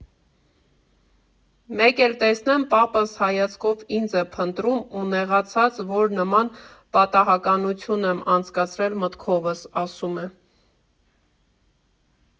Մեկ էլ տեսնեմ՝ պապս հայացքով ինձ է փնտրում ու, նեղացած, որ նման պատահականություն եմ անցկացրել մտքովս, ասում է.